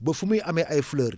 ba fu muy amee ay fleurs